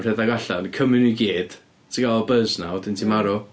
Rhedeg allan, cymryd nhw gyd. Ti'n gael y buzz 'na, wedyn ti'n... ia. ...marw.